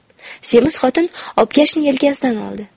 semiz xotin obkashni yelkasidan oldi